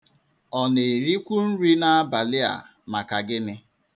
Ọ na-erikwu nri n'abalị a maka gini?